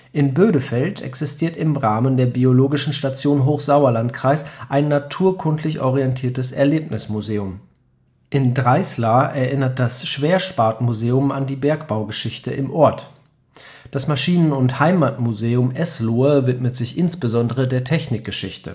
In Bödefeld existiert im Rahmen der Biologischen Station Hochsauerlandkreis ein naturkundlich orientiertes Erlebnismuseum. In Dreislar erinnert das Schwerspatmuseum an die Bergbaugeschichte im Ort. Das Maschinen - und Heimatmuseum Eslohe widmet sich insbesondere der Technikgeschichte